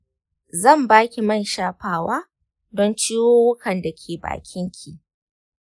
zan baki man shafawa don ciwuwwukan dake bakin ki.